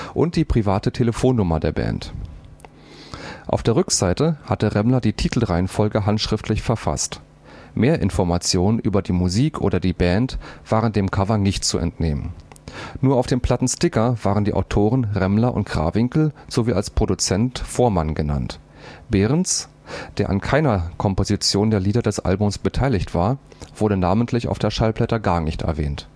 und die private Telefonnummer der Band. Auf der Rückseite hatte Remmler die Titelreihenfolge handschriftlich verfasst. Mehr Informationen über die Musik oder die Band waren dem Cover nicht zu entnehmen. Nur auf dem Plattensticker waren die Autoren Remmler, Krawinkel sowie als Produzent Voormann genannt. Behrens, der an keiner Komposition der Lieder des Albums beteiligt war, wurde namentlich auf der Schallplatte gar nicht erwähnt